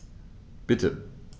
Bitte.